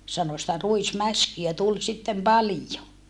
sanoi sitä ruismäskiä tuli sitten paljon